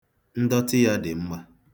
Ndọtị ya dị mma.